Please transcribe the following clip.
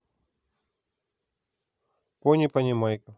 пони понимайка